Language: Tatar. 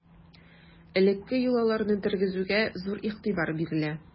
Элекке йолаларны тергезүгә зур игътибар бирелә.